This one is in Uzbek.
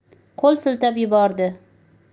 qo'l siltab yubordi